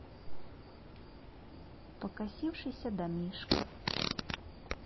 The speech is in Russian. покосившийся домишка